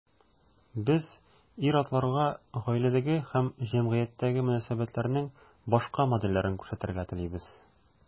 Без ир-атларга гаиләдәге һәм җәмгыятьтәге мөнәсәбәтләрнең башка модельләрен күрсәтергә телибез.